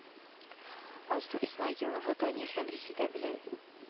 Алсу Исмәгыйлова Данир һәм Резеда белән